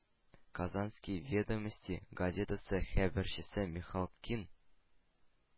«казанские ведомости» газетасы хәбәрчесе михалкин: